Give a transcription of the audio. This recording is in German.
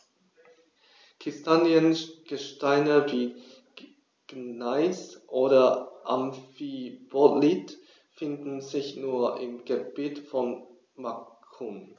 Kristalline Gesteine wie Gneis oder Amphibolit finden sich nur im Gebiet von Macun.